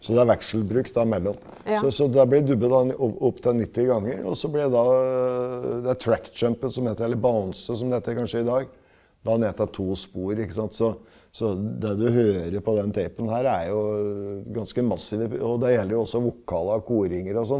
så det er vekselbruk da mellom, så så det her ble dubba da opp til 90 ganger, og så ble da det som det heter eller som det heter kanskje i dag, da er den to spor, så så det du hører på den tapen her er jo ganske massive, og det gjelder jo også vokalene koringer og sånn.